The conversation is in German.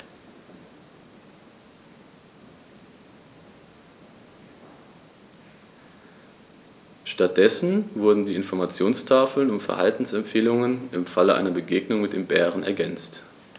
Stattdessen wurden die Informationstafeln um Verhaltensempfehlungen im Falle einer Begegnung mit dem Bären ergänzt.